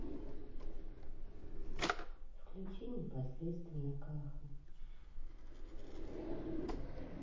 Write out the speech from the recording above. включи непосредственно каха